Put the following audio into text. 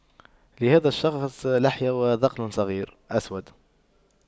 لهذا الشخص لحية وذقن صغير أسود